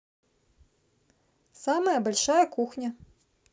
самая большая кухня